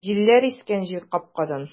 Җилләр искән җилкапкадан!